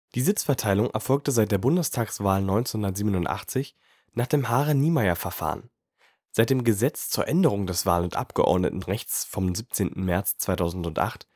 Die Sitzverteilung erfolgte seit der Bundestagswahl 1987 nach dem Hare-Niemeyer-Verfahren. Seit dem Gesetz zur Änderung des Wahl - und Abgeordnetenrechts vom 17. März 2008